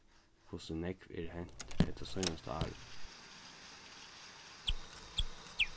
hvussu nógv er hent hetta seinasta árið